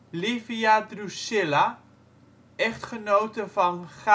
Livia Drusilla, echtgenote van